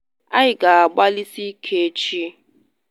Ị ga-agbalị si ike echi.